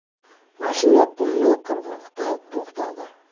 mashina qumli qirg'oqda to'xtadi